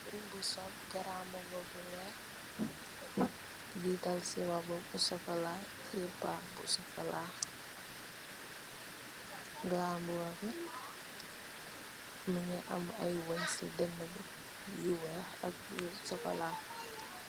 Jigéen bu sol garambubu bu weeh, jital ci robbu bu sokola, tè bag bu sokola. Garambuba bi mungi am ay wënn ci dëna bi yu weeh ak yu sokola.